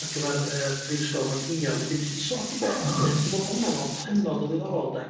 ar gyfar yy Brifysgol Manceinion wedyn fedri 'di sôn chydig bach am hynny dwi me'l bo hwnna'n hynod o ddiddorol 'de